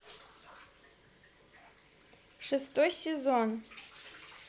шестой сезон